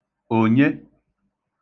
ònye